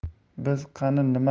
biz qani nima